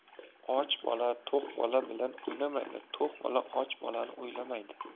och bola to'q bola bilan o'ynamaydi to'q bola och bolani o'ylamaydi